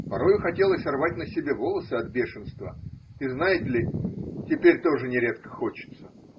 Порою хотелось рвать на себе волосы от бешенства, и знаете ли, теперь тоже нередко хочется.